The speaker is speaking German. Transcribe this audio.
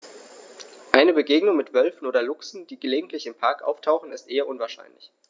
Eine Begegnung mit Wölfen oder Luchsen, die gelegentlich im Park auftauchen, ist eher unwahrscheinlich.